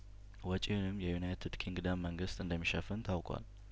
ወጪውንም የዩናይትድ ኪንግ ደም መንግስት እንደሚሸፍን ታውቋል